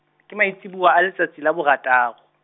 ke maitsiboa a le tsatsi la borataro.